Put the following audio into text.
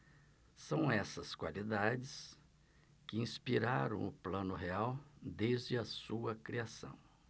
são essas qualidades que inspiraram o plano real desde a sua criação